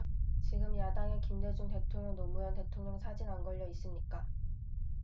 지금 야당에 김대중 대통령 노무현 대통령 사진 안 걸려 있습니까